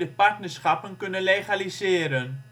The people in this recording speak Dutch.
partnerschappen kunnen legaliseren